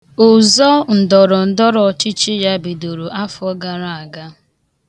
Ụzọ ndọrọndọrọ ọchịchị ya bidoro afọ gara aga.